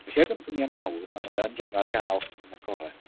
Felly er bod nhw'n gwmnïau mawr maen nhw'n yn rhoi nhw ar gael yn agored.